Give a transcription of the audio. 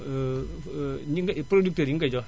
ñi ngay producteurs yi nga koy jox